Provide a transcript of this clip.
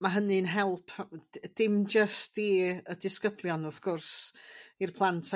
Ma' hynny'n help dim jyst i y disgyblion wrth gwrs i'r plant